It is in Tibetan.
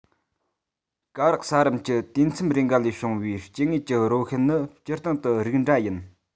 དཀར རག ས རིམ གྱི དུས མཚམས རེ འགའ ལས བྱུང བའི སྐྱེ དངོས ཀྱི རོ ཤུལ ནི སྤྱིར བཏང དུ རིགས འདྲ ཡིན